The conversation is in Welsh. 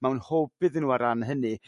mewn hwb iddyn nhw ar ran hynny.